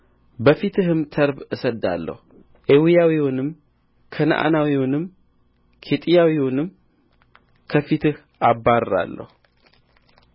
በፊትህም ተርብ እሰድዳለሁ ኤዊያዊውንም ከነዓናዊውንም ኬጢያዊውንም ከፊትህ አባርራለሁ